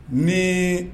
Ne